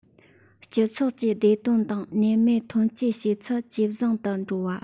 སྤྱི ཚོགས ཀྱི བདེ དོན དང ཉེན མེད ཐོན སྐྱེད བྱེད ཚུལ ཇེ བཟང དུ འགྲོ བ